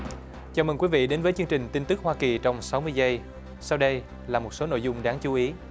chào mừng quý vị đến với chương trình tin tức hoa kỳ trong sáu mươi giây sau đây là một số nội dung đáng chú ý